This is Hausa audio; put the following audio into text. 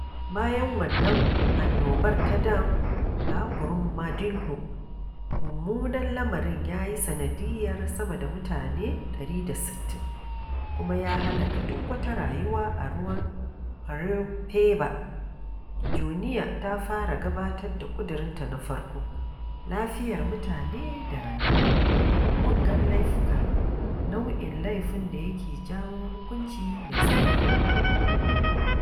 Bayan wannan annobar ta dam a Brumadinho, mummunan lamarin ya yi sanadiyyar sama da mutane 160 kuma ya halaka duk wata rayuwa a ruwan Paraopeba, Joenia ta fara gabatar da ƙudurinta na farko, lafiyar mutane da rayuwa, "muggan laifuka" nau'in laifin da yake jawo hukunci mai tsanani.